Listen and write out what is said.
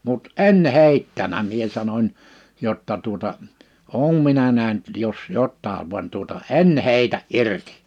mutta en heittänyt minä sanon jotta tuota olen minä nähnyt jos jotakin vaan tuota en heitä irti